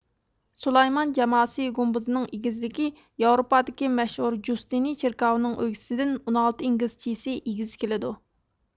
سۇلايمان جاماسى گۈمبىزىنىڭ ئېگىزلىكى ياۋروپادىكى مەشھۇر جۇستىنى چېركاۋىنىڭ ئۆگزىسىدىن ئون ئالتە ئىنگلىز چىسى ئېگىز كېلىدۇ